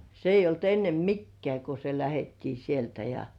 se ei ollut ennen mikään kun se lähdettiin sieltä ja